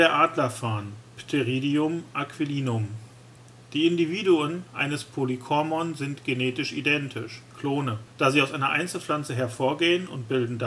Adlerfarn (Pteridium aquilinum). Die Individuen eines Polykormon sind genetisch ident (Klone), da sie aus einer Einzelpflanze hervorgehen, und bilden daher